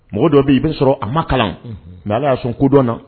Mɔgɔ dɔ bɛ i bɛ sɔrɔ a ma kalan nka ala y'a sɔn kodɔn na